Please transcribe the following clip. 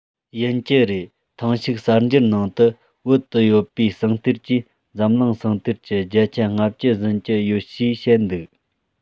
ཡིན གྱི རེད ཐེངས ཤིག གསར འགྱུར ནང དུ བོད དུ ཡོད པའི ཟངས གཏེར གྱིས འཛམ གླིང ཟངས གཏེར གྱི བརྒྱ ཆ ལྔ བཅུ ཟིན གྱི ཡོད ཞེས བཤད འདུག